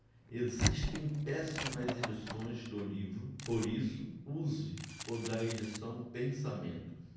existem péssimas edições do livro por isso use o da edição pensamento